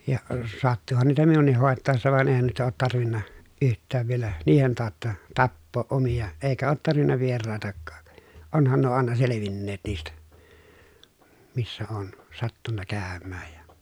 ja sattuihan niitä minunkin hoitaessa vaan eihän noita ole tarvinnut yhtään vielä niiden tautta tappaa omia eikä ole tarvinnut vieraitakaan onhan nuo aina selvinneet niistä missä olen sattunut käymään ja